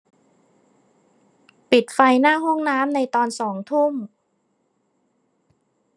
ปิดไฟหน้าห้องน้ำในตอนสองทุ่ม